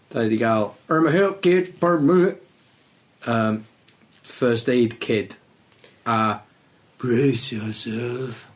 Da ni 'di ga'l Urma help kids wi' porn m'ney yym first aid kid a brace yourself.